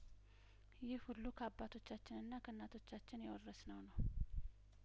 ይህ ሁሉ ከአባቶቻችንና ከእናቶቻችን የወረስነው ነው